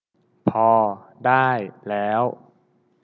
พอได้แล้ว